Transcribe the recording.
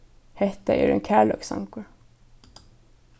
hetta er ein kærleikssangur